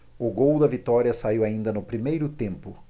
o gol da vitória saiu ainda no primeiro tempo